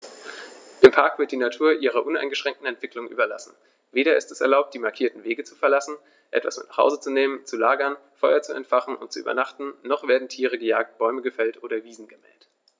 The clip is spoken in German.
Im Park wird die Natur ihrer uneingeschränkten Entwicklung überlassen; weder ist es erlaubt, die markierten Wege zu verlassen, etwas mit nach Hause zu nehmen, zu lagern, Feuer zu entfachen und zu übernachten, noch werden Tiere gejagt, Bäume gefällt oder Wiesen gemäht.